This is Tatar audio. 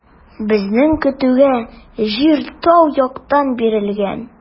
Безнең көтүгә җир тау яктан бирелгән.